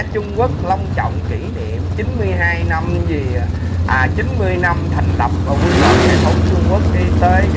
trung quốc long trọng kỷ niệm chín mươi hai năm gì à chín mươi năm thành lập và quân đội giải phóng trung quốc kinh tế